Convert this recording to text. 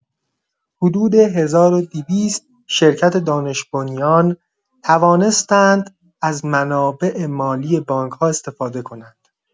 حدود ۱۲۰۰ شرکت دانش‌بنیان توانستند از منابع مالی بانک‌ها استفاده کنند.